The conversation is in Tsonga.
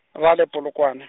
ra le Polokwane.